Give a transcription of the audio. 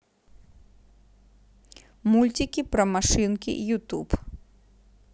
мультики про машинки youtube